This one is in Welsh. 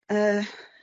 Yy.